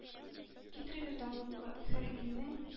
Китрегез данлыклы хөр илнең,